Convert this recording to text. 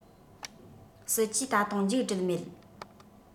སྲིད ཇུས ད དུང མཇུག འགྲིལ མེད